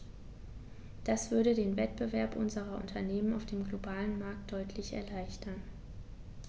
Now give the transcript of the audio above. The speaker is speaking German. Das würde den Wettbewerb unserer Unternehmen auf dem globalen Markt deutlich erleichtern.